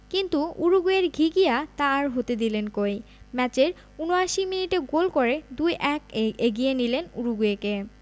কিন্তু উরুগুয়ের ঘিঘিয়া তা আর হতে দিলেন কই ম্যাচের ৭৯ মিনিটে গোল করে ২ ১ এ এগিয়ে নিলেন উরুগুয়েকে